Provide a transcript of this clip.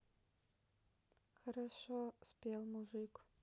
хорошо спел мужик